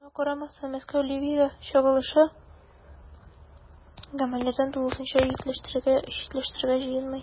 Шуңа да карамастан, Мәскәү Ливиягә кагылышлы гамәлләрдән тулысынча читләшергә җыенмый.